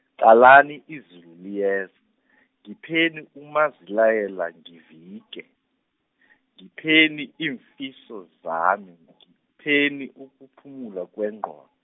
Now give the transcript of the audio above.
qalani izulu liyeza , ngipheni umazilayela ngivike , ngipheni iimfiso zami, ngu- ngipheni ukuphumula kwenqon-.